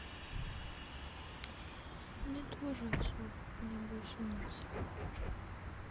мне тоже особо у меня больше нет слов